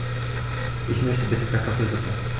Ich möchte bitte Kartoffelsuppe.